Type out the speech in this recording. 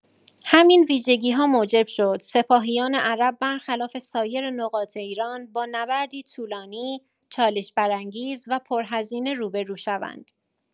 همین ویژگی‌ها موجب شد سپاهیان عرب برخلاف سایر نقاط ایران، با نبردی طولانی، چالش‌برانگیز و پرهزینه روبه‌رو شوند.